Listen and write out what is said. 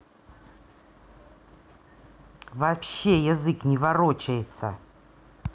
вообще язык не ворочается